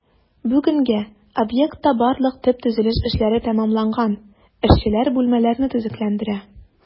Бүгенгә объектта барлык төп төзелеш эшләре тәмамланган, эшчеләр бүлмәләрне төзекләндерә.